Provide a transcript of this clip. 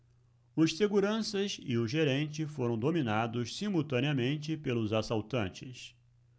os seguranças e o gerente foram dominados simultaneamente pelos assaltantes